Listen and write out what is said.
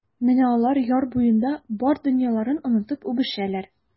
Менә алар яр буенда бар дөньяларын онытып үбешәләр.